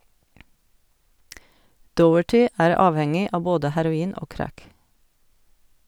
Doherty er avhengig av både heroin og crack.